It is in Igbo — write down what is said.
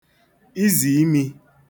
izìimī